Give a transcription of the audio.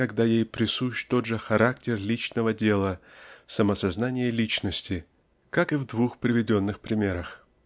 когда ей присущ тот же характер личного дела самосознания личности как и в двух приведенных примерах.